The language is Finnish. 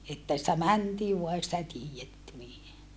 että sitä mentiin vain ei sitä tiedetty niin